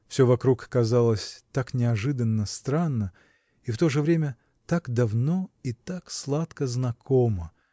все вокруг казалось так неожиданно странно и в то же время так давно и так сладко знакомо